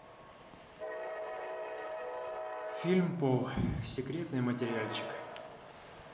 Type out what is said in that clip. фильм пол секретный материальчик